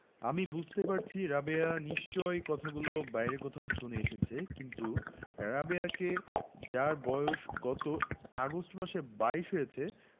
আমি বুঝতে পারছি রাবেয়া নিশ্চয়ই কথাগুলি বাইরে কোথাও শুনে এসেছে কিন্তু রাবেয়াকে যার বয়স গত আগস্ট মাসে বাইশ হয়েছে